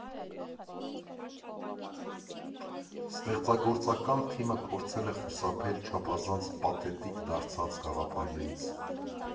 Ստեղծագործական թիմը փորձել է խուսափել չափազանց պաթետիկ դարձած գաղափարներից։